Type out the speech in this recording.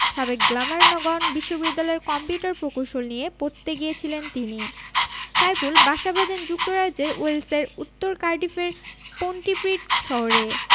সাবেক গ্লামারগন বিশ্ববিদ্যালয়ে কম্পিউটার প্রকৌশল নিয়ে পড়তে গিয়েছিলেন তিনি সাইফুল বাসা বাঁধেন যুক্তরাজ্যের ওয়েলসের উত্তর কার্ডিফের পন্টিপ্রিড শহরে